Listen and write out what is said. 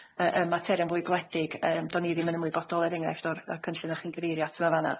yy y materion fwy gwledig. Yym, do'n i ddim yn ymwybodol er enghraifft o'r yy cynllun o chi'n gyfeirio ato fo fan'na.